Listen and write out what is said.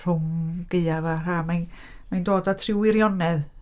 Rhwng gaeaf a ha- mae'n... mae'n dod at ryw wirionedd.